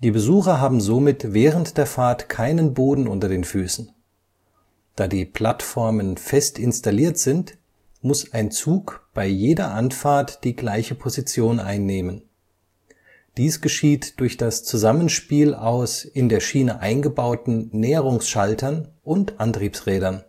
Besucher haben somit während der Fahrt keinen Boden unter den Füßen. Da die Plattformen fest installiert sind, muss ein Zug bei jeder Anfahrt die gleiche Position einnehmen. Dies geschieht durch das Zusammenspiel aus in der Schiene eingebauten Näherungsschaltern und Antriebsrädern